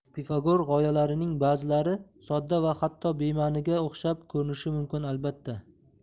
pifagor g'oyalarining ba'zilari sodda va hatto bema'niga o'xshab ko'rinishi mumkin albatta